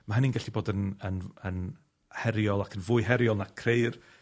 ma' hynny'n gallu bod yn yn yn heriol ac yn fwy heriol na creu'r